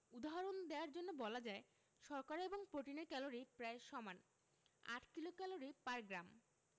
উদাহরণ দেয়ার জন্যে বলা যায় শর্করা এবং প্রোটিনের ক্যালরি প্রায় সমান ৮ কিলোক্যালরি পার গ্রাম